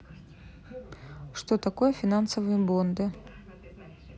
что такое финансовые бонды